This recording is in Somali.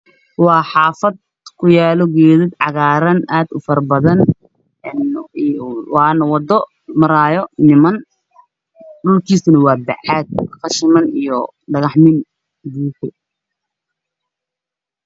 Waa xafad ku yalo gedo cagaran aad ufara badan wana wado marayo niman dhulkiisa waa baxaad qashiman iyo dhaxmiin ka buuxo